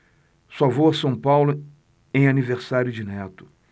só vou a são paulo em aniversário de neto